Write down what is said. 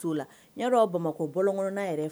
Bamakɔ bɔ kɔnɔ yɛrɛ